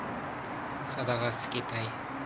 sadag'asi ketay